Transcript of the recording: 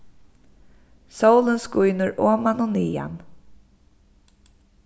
sólin skínur oman og niðan